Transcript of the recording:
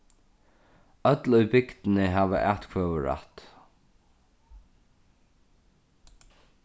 øll í bygdini hava atkvøðurætt